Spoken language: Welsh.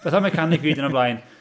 Fatha mechanic fi diwrnod blaen.